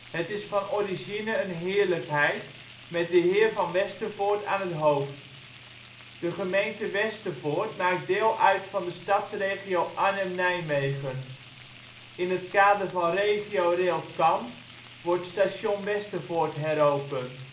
Het is van origine een heerlijkheid met de ' Heer van Westervoort ' aan het hoofd. De gemeente Westervoort maakt deel uit van de Stadsregio Arnhem-Nijmegen. In het kader van RegioRail KAN wordt station Westervoort heropend